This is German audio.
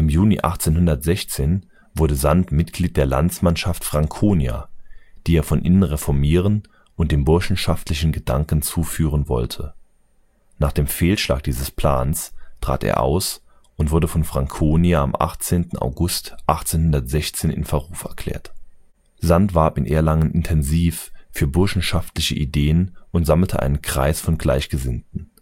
Juni 1816 wurde Sand Mitglied der Landsmannschaft Franconia, die er von innen reformieren und dem burschenschaftlichen Gedanken zuführen wollte. Nach dem Fehlschlag dieses Plans trat er aus und wurde von Franconia am 18. August 1816 in Verruf erklärt. Sand warb in Erlangen intensiv für burschenschaftliche Ideen und sammelte einen Kreis von Gleichgesinnten